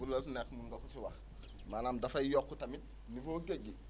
bu la si neek mun nga ko si wax maanaam dafay yokk tamit niveau géej gi